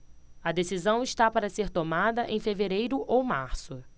a decisão está para ser tomada em fevereiro ou março